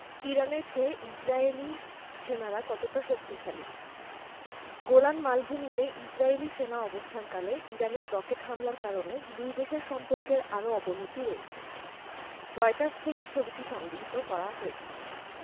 ইরানের চেয়ে ইসরায়েলি সেনারা কতটা শক্তিশালী গোলান মালভূমিতে ইসরায়েলি সেনা অবস্থানকালে ইরানের রকেট হামলার কারণে দুই দেশের সম্পর্কের আরও অবনতি হয়েছে রয়টার্স থেকে ছবিটি সংগ্রহ করা হয়েছে